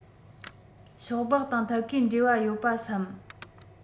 ཤོག སྦག དང ཐད ཀའི འབྲེལ བ ཡོད པ བསམ